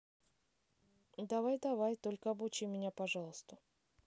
давай давай только обучи меня пожалуйста